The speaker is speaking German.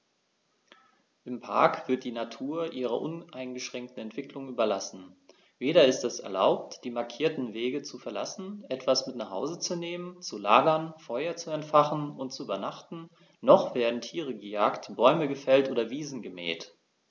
Im Park wird die Natur ihrer uneingeschränkten Entwicklung überlassen; weder ist es erlaubt, die markierten Wege zu verlassen, etwas mit nach Hause zu nehmen, zu lagern, Feuer zu entfachen und zu übernachten, noch werden Tiere gejagt, Bäume gefällt oder Wiesen gemäht.